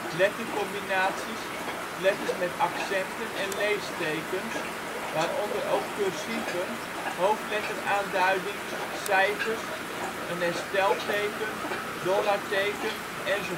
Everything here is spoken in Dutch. lettercombinaties, letters met accenten, en leestekens, waaronder ook cursieven, hoofdletteraanduiding, cijfers, een herstelteken, dollarteken, enz